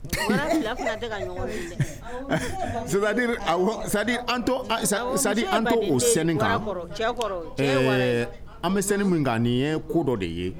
An o sɛnɛni kan an bɛ sɛnɛni min kan nin ye ko dɔ de ye